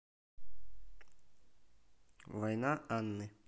война анны